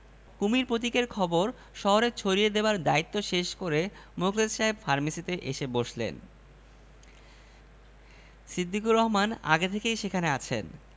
কুমীর মার্কা পাওয়ায় আমাদের খুবই সুবিধা হয়েছে যাকে বলে শাপে বর সিদ্দিক সাহেব মরা মরা গলায় বললেন কেন নতুন ধরনের ক্যাম্পেইন করব ভোট দিবেন কিসে